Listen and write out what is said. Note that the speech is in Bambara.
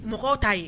Mɔgɔ ta yen